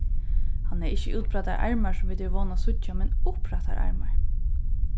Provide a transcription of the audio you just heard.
hann hevði ikki útbreiddar armar sum vit eru von at síggja men upprættar armar